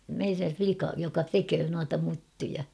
meidän likan joka tekee noita myttyjä